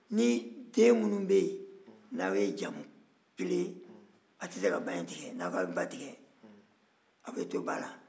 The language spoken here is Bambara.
ni den minnu bɛ yen n'aw ye jamu kelen ye aw tɛse ka ba in tigɛ n'aw ko k'a' bɛ ba tigɛ aw bɛ to ba la